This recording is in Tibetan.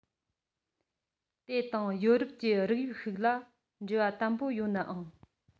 དེ དང ཡོ རོབ ཀྱི རིགས དབྱིབས ཤིག ལ འབྲེལ བ དམ པོ ཡོད ནའང